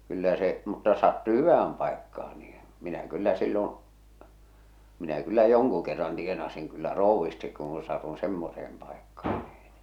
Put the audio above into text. kyllä se mutta jos sattui hyvään paikkaan niin minä kyllä silloin minä kyllä jonkun kerran tienasin kyllä krouvisti kun satun semmoiseen paikkaan niin